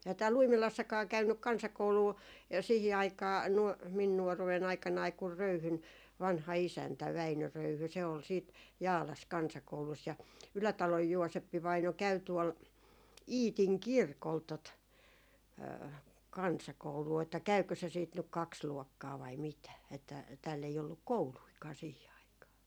eihän täällä Uimilassakaan käynyt kansakoulua ja siihen aikaan - minun nuoruuden aikanani kun Röyhyn vanha isäntä Väinö Röyhy se oli sitten Jaalassa kansakoulussa ja Ylätalon Jooseppi-vaino käy tuolla Iitin kirkolla tuota kansakoulua että käykö se sitten nyt kaksi luokkaa vai mitä että täällä ei ollut koulujakaan siihen aikaan